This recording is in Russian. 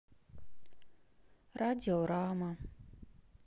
радио рама